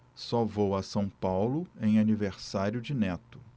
só vou a são paulo em aniversário de neto